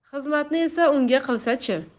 xizmatni esa unga qilsa chi